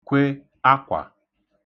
kwe akwà